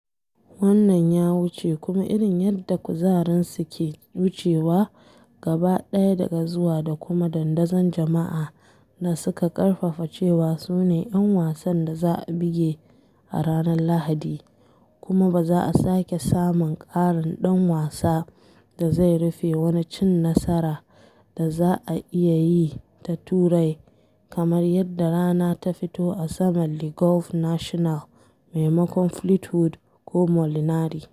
Wannan ya wuce, kuma irin yadda kuzarinsu ke wucewa gaba ɗaya daga zuwa da kuma dandazon jama’a da suka ƙarfafa cewa su ne ‘yan wasan da za a buge a ranar Lahdi, kuma ba za a sake samun ƙarin ɗan wasa da zai rufe wani cin nasara da za a iya yi ta Turai kamar yadda rana ta fito a saman Le Golf National maimakon Fleetwood ko Molinari.